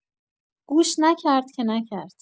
گوش نکرد که نکرد!